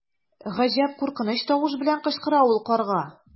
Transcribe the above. Гаҗәп куркыныч тавыш белән кычкыра ул карга.